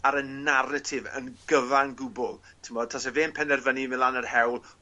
ar y naratif yn gyfan gwbwl. T'mod tase fe'n penderfynu i fyn' lan yr hewl